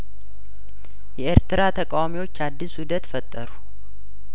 የኤርትራ ተቃዋሚዎች አዲስ ውህደት ፈጠሩ